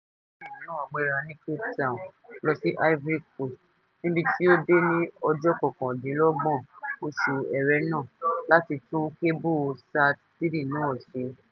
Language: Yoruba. Leon Thevenin náà gbéra ní Cape Town lọ sí Ivory Coast, níbi tí ó dé ní ọjọ́ 29 oṣù Ẹrẹ́nà láti tún kébù SAT-3 náà ṣe.